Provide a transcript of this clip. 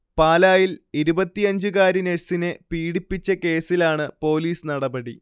പാലായിൽ ഇരുപത്തിയഞ്ച്കാരി നഴ്സിനെ പീഡിപ്പിച്ച കേസിലാണ് പോലീസ് നടപടി